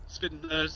Spinners.